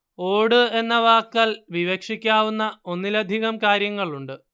ഓട് എന്ന വാക്കാൽ വിവക്ഷിക്കാവുന്ന ഒന്നിലധികം കാര്യങ്ങളുണ്ട്